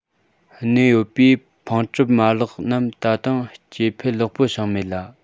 གནས ཡོད པས ཕུང གྲུབ མ ལག རྣམས ད དུང སྐྱེ འཕེལ ལེགས པོ བྱུང མེད ལ